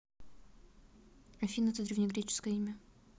афина это древнегреческое имя